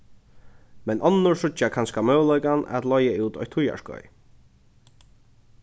men onnur síggja kanska møguleikan at leiga út eitt tíðarskeið